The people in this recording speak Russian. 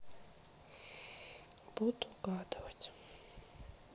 буду угадывать